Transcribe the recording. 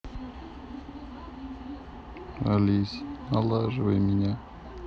алиса налаживай меня